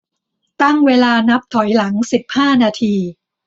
ตั้งเวลานับถอยหลังสิบห้านาที